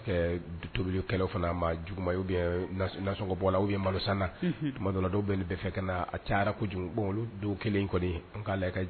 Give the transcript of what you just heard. A kana kɛ tobilikɛlaw fana ma juguma ye ou bien nasoɔgɔbɔla ou bien _ malo sananaunhun,, tuma dɔla dɔw bɛ nin bɛ fɛ ka a cayara kojugu bon olu don kelen in kɔni u k'a lajɛ ka